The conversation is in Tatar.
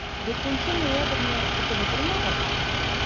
4 ноябрьне көтеп утырмагыз!